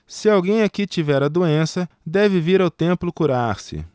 se alguém aqui tiver a doença deve vir ao templo curar-se